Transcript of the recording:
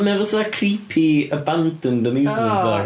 Mae o fatha creepy, abandoned amusement park... O!